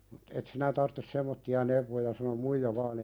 mutta et sinä tarvitse semmoisia neuvoja sanoi muija vain -